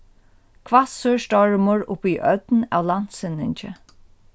hvassur stormur upp í ódn av landsynningi